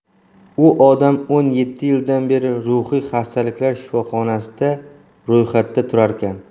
u odam o'n yetti yildan beri ruhiy xastaliklar shifoxonasida ro'yxatda turarkan